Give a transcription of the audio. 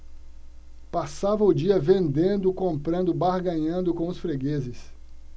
passava o dia vendendo comprando barganhando com os fregueses